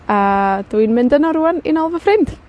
A, dwi'n mynd yno rŵan i nôl fy ffrind.